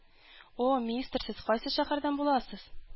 О, мистер, сез кайсы шәһәрдән буласыз?